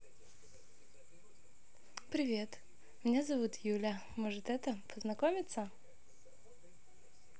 привет меня зовут юля может это познакомиться